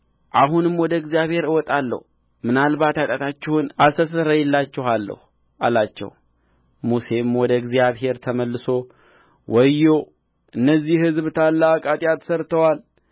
አሁንም ወደ እግዚአብሔር እወጣለሁ ምናልባት ኃጢአታችሁን አስተሰርይላችኋለሁ አላቸው ሙሴም ወደ እግዚአብሔር ተመልሶ ወዮ እኒህ ሕዝብ ታላቅ ኃጢአት ሠርተዋል